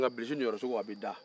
bilisi niyɔrɔsogo a bɛ da